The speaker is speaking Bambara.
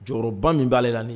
Jɔyɔrɔba min b'a la nin